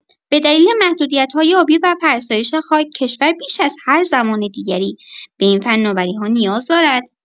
به دلیل محدودیت‌های آبی و فرسایش خاک، کشور بیش از هر زمان دیگری به این فناوری‌ها نیاز دارد.